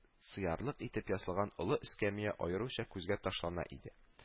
Сыярлык итеп ясалган олы эскәмия аеруча күзгә ташлана иде